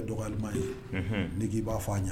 Dɔgɔlima ye ni k'i b'a fɔ a ɲɛ